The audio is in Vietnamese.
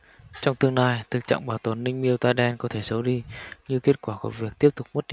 trong tương lai thực trạng bảo tồn linh miêu tai đen có thể xấu đi như kết quả của việc tiếp tục mất